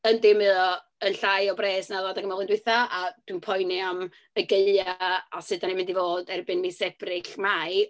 Yndi, mae o yn llai o bres na oedd o adeg yma flwyddyn diwetha, a dwi'n poeni am y gaeaf, a sut dan ni'n mynd i fod erbyn mis Ebrill, Mai.